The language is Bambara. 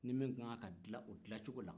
ni min ka kan ka dilan o dilan cogo la